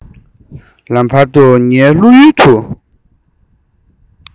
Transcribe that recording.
ལམ བར དུ ངའི བློ ཡུལ དུ